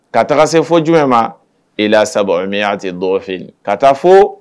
Ka taga se fɔ jumɛn ma ? ilaa sabiu miati dɔafin